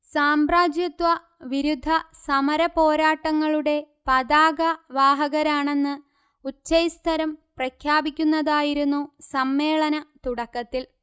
സാമ്രാജ്യത്വ വിരുദ്ധ സമര പോരാട്ടങ്ങളുടെ പതാക വാഹകരാണെന്ന് ഉച്ചൈസ്തരം പ്രഖ്യാപിക്കുന്നതായിരുന്നു സമ്മേളന തുടക്കത്തില്